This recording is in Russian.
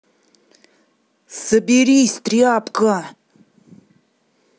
соберись тряпка